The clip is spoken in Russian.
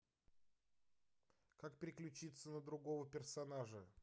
как переключиться на другого персонажа